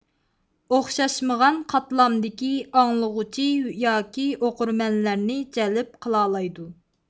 ئوخشاشمىغان قاتلامدىكى ئاڭلىغۇچى ياكى ئوقۇرمەنلەرنى جەلپ قىلالايدۇ